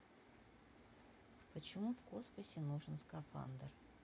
почему в космосе нужен скафандр